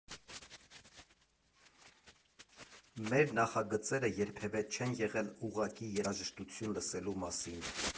Մեր նախագծերը երբևէ չեն եղել ուղղակի երաժշտություն լսելու մասին։